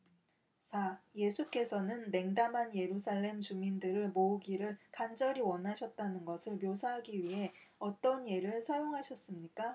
사 예수께서는 냉담한 예루살렘 주민들을 모으기를 간절히 원하셨다는 것을 묘사하기 위해 어떤 예를 사용하셨습니까